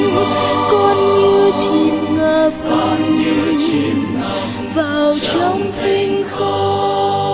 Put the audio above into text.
con như chìm ngập vào trong thinh không